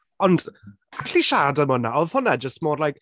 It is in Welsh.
Ond, allwn ni siarad am hwnna, oedd hwnna just mor like...